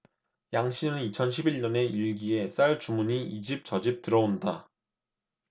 양씨는 이천 십 일 년에 일기에 쌀 주문이 이집저집 들어온다